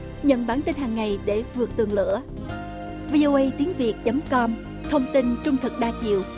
nhận bản tin hằng ngày để vượt tường lửa vi ô ây tiếng việt chấm com thông tin trung thực đa chiều